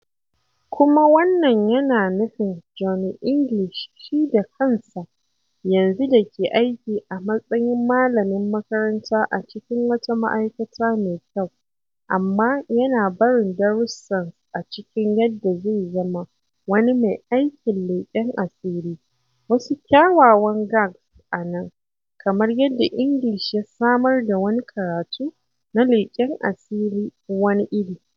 Kuma wannan yana nufin Johnny English shi da kansa, yanzu da ke aiki a matsayin malamin makaranta a cikin wata ma'aikata mai kyau, amma yana barin darussan a cikin yadda zai zama wani mai aikin leƙen asiri: wasu kyawawan gags a nan, kamar yadda English ya samar da wani karatu na leƙen asiri wani iri.